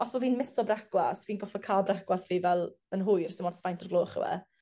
Os bo' fi'n misso brecwast fi'n goffod ca'l brecwast fi fel yn hwyr sim ots faint o'r gloch yw e.